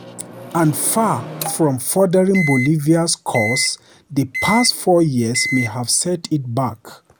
And far from furthering Bolivia's cause, the past four years may have set it back.